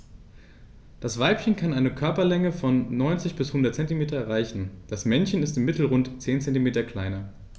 Das Weibchen kann eine Körperlänge von 90-100 cm erreichen; das Männchen ist im Mittel rund 10 cm kleiner.